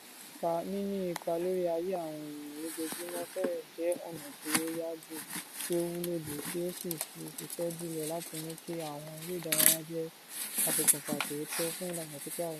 Níní ipa lórí ayé àwọn èèyàn lójoojúmọ́ fẹ́rẹ̀ jẹ́ ọ̀nà tí ó yá jù, tí ó wúlò jù, tí ó sì ṣiṣẹ́ jùlọ láti mú kí àwọn eré ìdárayá jẹ́ aṣokùnfà tòótọ́ fún ìdàgbàsókè àwùjọ.